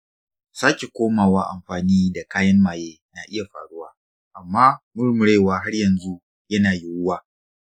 sake komawa amfani da kayan maye na iya faruwa, amma murmurewa har yanzu yana yiwuwa.